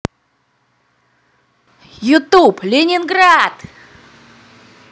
ютуб ленинград